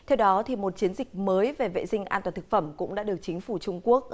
theo đó thì một chiến dịch mới về vệ sinh an toàn thực phẩm cũng đã được chính phủ trung quốc